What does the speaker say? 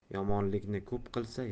yomonlikni ko'p qilsa